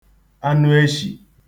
anụeshì